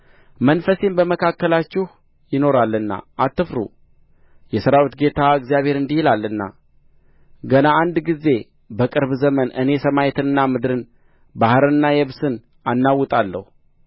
መንፈሴም በመካከላችሁ ይኖራልና አትፍሩ የሠራዊት ጌታ እግዚአብሔር እንዲህ ይላልና ገና አንድ ጊዜ በቅርብ ዘመን እኔ ሰማያትንና ምድርን ባሕርንና የብስንም አናውጣለሁ